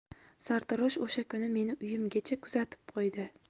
sartarosh o'sha kuni meni uyimgacha kuzatib qo'ydi